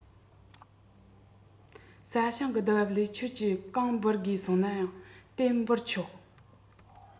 ས ཞིང གི བསྡུ འབབ ལས ཁྱེད ཀྱིས གང འབུལ དགོས གསུངས ན ཡང ངས དེ འབུལ ཆོག